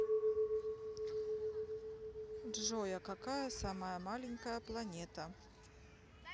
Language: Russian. джой а какая самая маленькая планета